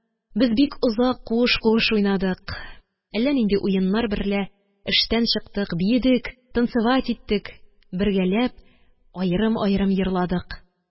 Без бик озак куыш-куыш уйнадык. әллә нинди уеннар берлә эштән чыктык, биедек, танцевать иттек, бергәләп, аерым-аерым йырладык.